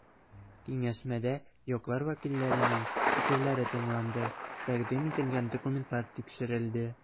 Киңәшмәдә яклар вәкилләренең фикерләре тыңланды, тәкъдим ителгән документлар тикшерелде.